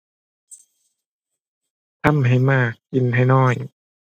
ทำให้มาก กินให้น้อย